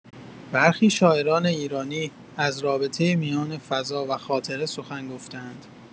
برخی شاعران ایرانی، از رابطه میان فضا و خاطره سخن گفته‌اند.